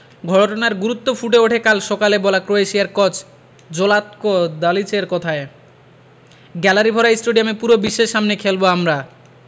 ঘটনার গুরুত্ব ফুটে ওঠে কাল সকালে বলা ক্রোয়েশিয়ার কোচ জ্লাতকো দালিচের কথায় গ্যালারিভরা স্টেডিয়ামে পুরো বিশ্বের সামনে খেলব আমরা